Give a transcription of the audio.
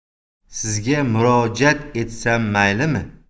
sizga murojaat etsam maylimi